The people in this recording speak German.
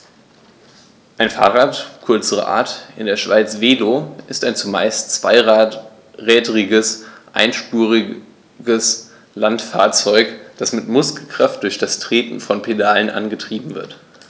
Ein Fahrrad, kurz Rad, in der Schweiz Velo, ist ein zumeist zweirädriges einspuriges Landfahrzeug, das mit Muskelkraft durch das Treten von Pedalen angetrieben wird.